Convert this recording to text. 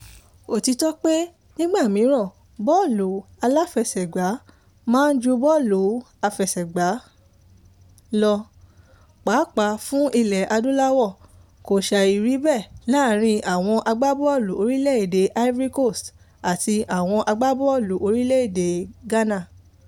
Òtítọ́ pé nígbà mìíràn bọ́ọ̀lù aláfẹsẹ̀gbá "máa ń ju bọ́ọ̀lù àfẹsẹ̀gbá lọ", pàápàá fún Ilẹ̀ Adúláwò, kò sàì rí bẹ́ẹ̀ láàárín àwọn agbábọ́ọ̀lù Orílẹ̀-èdè Ivory Coast àti àwọn agbábọ́ọ̀lù Orílẹ̀-èdè Ghana.